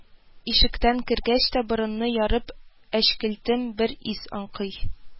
Ишектән кергәч тә, борынны ярып, әчкелтем бер ис аңкый